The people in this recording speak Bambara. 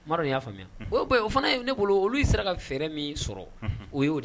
N ma dɔn ni ya faamuya Unhun. O fana ye ne bolo olu sera ka fɛrɛɛrɛ min sɔrɔ, o yo de ye